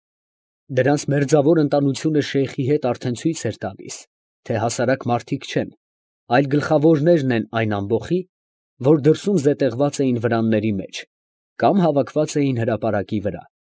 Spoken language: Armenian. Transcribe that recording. Դրանց մերձավոր ընտանությունը Շեյխի հետ արդեն ցույց էր տալիս, թե հասարակ մարդիկ չեն, այլ գլխավորներն են այն ամբոխի, որ դրսում զետեղված էին վրանների մեջ, կամ հավաքված էին հրապարակի վրա։